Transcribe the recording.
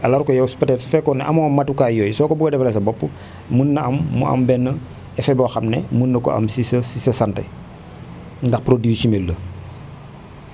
alors que yow peut être su fekkoon ne amoo matukaay yooyu soo ko bëggee defaral sa bopp mun na am mu am benn effet boo xam ne mun na ko am si sa si sa santé ndax produit chimique la